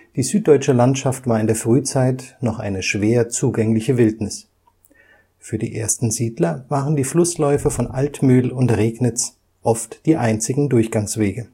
Die süddeutsche Landschaft war in der Frühzeit noch eine schwer zugängliche Wildnis. Für die ersten Siedler waren die Flussläufe von Altmühl und Regnitz oft die einzigen Durchgangswege